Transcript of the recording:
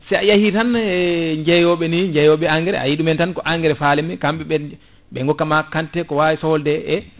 si a yeehi tan e jeeyoɓe ni jeeyoɓe engrais a wi ɗumen tan engrais falenmi kamɓe ɓe gokkatma quantité ko wawi sohlude e